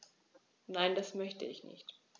Nein, das möchte ich nicht.